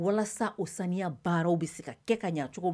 Walasa osanya baaraw bɛ se ka kɛ ka ɲɛ cogo